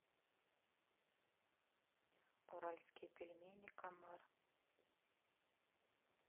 уральские пельмени комар